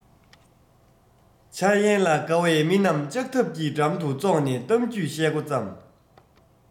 འཆར ཡན ལ དགའ བའི མི རྣམས ལྕགས ཐབ གྱི འགྲམ དུ ཙོག ནས གཏམ རྒྱུད བཤད མགོ བརྩམས